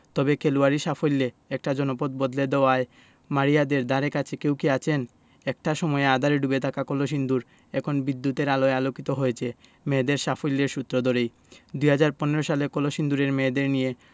তবে খেলোয়াড়ি সাফল্যে একটা জনপদ বদলে দেওয়ায় মারিয়াদের ধারেকাছে কেউ কি আছেন একটা সময়ে আঁধারে ডুবে থাকা কলসিন্দুর এখন বিদ্যুতের আলোয় আলোকিত হয়েছে মেয়েদের সাফল্যের সূত্র ধরেই ২০১৫ সালে কলসিন্দুরের মেয়েদের নিয়ে